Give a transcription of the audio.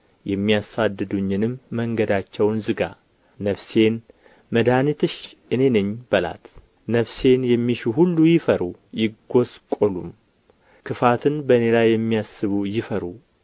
የሚያሳድዱኝንም መንገዳቸውን ዝጋ ነፍሴን መድኃኒትሽ እኔ ነኝ በላት ነፍሴን የሚሹ ሁሉ ይፈሩ ይጐስቈሉም ክፉትን በእኔ ላይ የሚያስቡ ይፈሩ